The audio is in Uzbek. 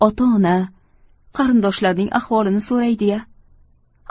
ota ona qarindoshlarning ahvolini so'raydi ya